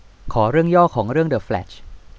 ขอเรื่องย่อของเรื่องเดอะแฟลช